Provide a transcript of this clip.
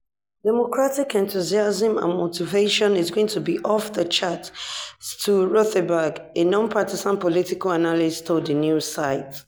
"People are saying it's already been high; that's true.